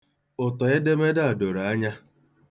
Ụtọ edemede a doro anya.